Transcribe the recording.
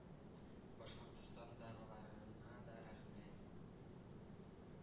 Башкортостандагыларына да рәхмәт.